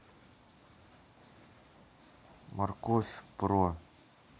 морковь про